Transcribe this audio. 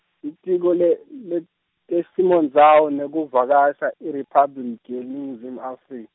Litiko le leTesimondzawo nekuVakasha IRiphabliki yeNingizimu Afrika.